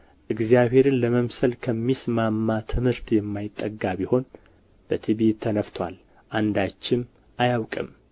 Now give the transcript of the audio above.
እግዚአብሔርን ለመምሰል በሚስማማ ትምህርት የማይጠጋ ቢሆን በትዕቢት ተነፍቶአል አንዳችም አያውቅም